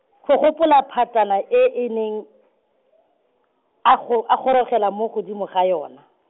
go gopola phatane e a neng, a go a gorogela mo godimo ga yone.